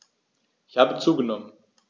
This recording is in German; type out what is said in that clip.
Ich habe zugenommen.